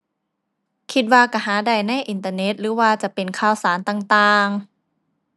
คิดว่าก็หาได้ในอินเทอร์เน็ตหรือว่าจะเป็นข่าวสารต่างต่าง